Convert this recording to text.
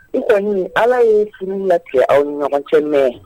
I kɔni ɲi ala ye fini latigɛ aw ɲɔgɔn cɛ mɛn